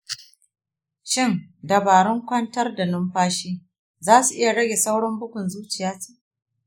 shin dabarun kwantar da numfashi za su iya rage saurin bugun zuciyata?